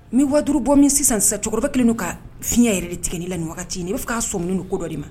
N waduuru bɔ min sisan sa cɛkɔrɔba kelen' ka fiɲɛ yɛrɛ de tigɛi la nin waati wagati in na i bɛ fɛ' ka s sɔ minuni ko dɔ de ma